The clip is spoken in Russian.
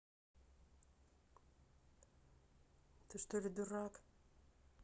ты что ли дурак